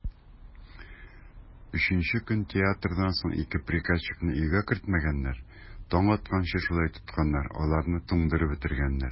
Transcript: Өченче көн театрдан соң ике приказчикны өйгә кертмәгәннәр, таң атканчы шулай тотканнар, аларны туңдырып бетергәннәр.